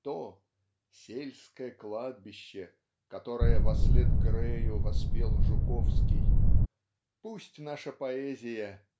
то "сельское кладбище", которое, вослед Грэю, воспел Жуковский пусть наша поэзия